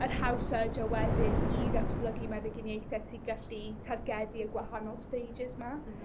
yr hawsa ydi o wedyn i ddatblygu meddyginiaethe sy gallu targedu a gwahanol stages 'ma.